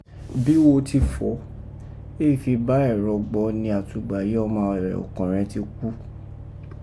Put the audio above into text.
Bi wo ti fọ̀, éè fi bá ẹ̀ rọgbọ ni àtùgbà yìí ọma rẹ̀ ọ̀kọ̀nrẹn ti kú.